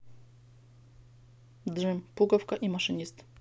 джим пуговка и машинист